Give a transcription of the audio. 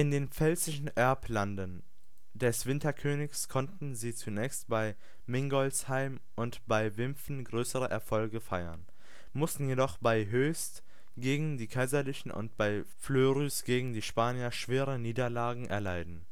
den pfälzischen Erblanden des „ Winterkönigs “konnten sie zunächst bei Mingolsheim und bei Wimpfen größere Erfolge feiern, mussten jedoch bei Höchst gegen die Kaiserlichen und bei Fleurus gegen die Spanier schwere Niederlagen erleiden